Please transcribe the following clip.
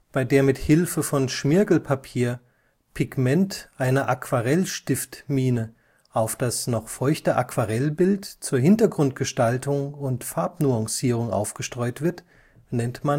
bei der mit Hilfe von Schmirgelpapier Pigment einer Aquarellstiftmine auf das noch feuchte Aquarellbild zur Hintergrundgestaltung und Farbnuancierung aufgestreut wird. Einen